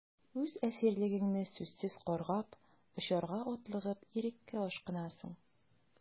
Үз әсирлегеңне сүзсез каргап, очарга атлыгып, иреккә ашкынасың...